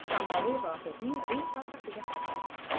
samoviy rohibning rim papasiga xati